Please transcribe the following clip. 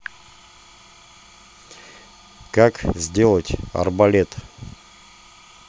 как сделать арбалет